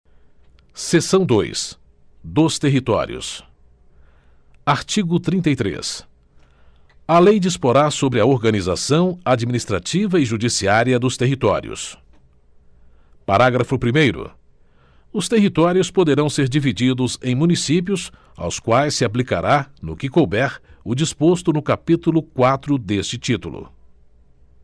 seção dois dos territórios artigo trinta e três a lei disporá sobre a organização administrativa e judiciária dos territórios parágrafo primeiro os territórios poderão ser divididos em municípios aos quais se aplicará no que couber o disposto no capítulo quatro deste título